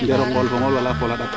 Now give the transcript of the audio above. ndeero ngool fo ngol